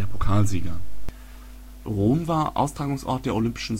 Pokalsieger. Rom war Austragungsort der Olympischen